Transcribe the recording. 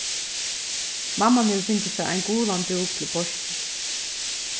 mamma hevur fingið sær ein gulan dúk til páskir